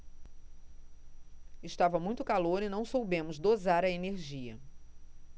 estava muito calor e não soubemos dosar a energia